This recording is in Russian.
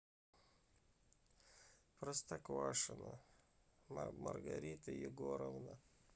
простоквашино маргарита егоровна